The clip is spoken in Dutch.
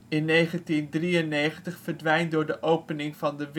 In 1993 verdwijnt door de opening van de